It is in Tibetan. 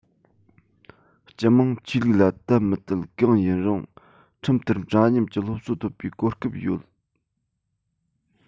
སྤྱི དམངས ཆོས ལུགས ལ དད མི དད གང ཡིན རུང ཁྲིམས ལྟར འདྲ མཉམ གྱི སློབ གསོ ཐོབ པའི གོ སྐབས ཡོད